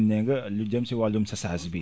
nee nga lu jëm si wàllum séchage bi